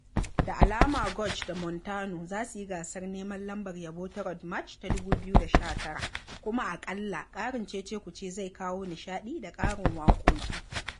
Da alama George da Montano za su yi gasar neman lambar yabo ta Road March ta 2019, kuma a kalla, ƙarin ce-ce-ku-ce zai kawo nishadi da ƙarin waƙoƙi